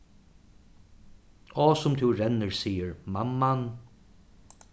á sum tú rennur sigur mamman